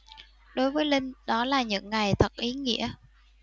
đối với linh đó là những ngày thật ý nghĩa